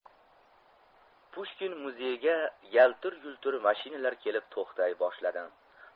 pushkin muzeyiga yaltir yultir mashinalar kelib to'xtay boshladi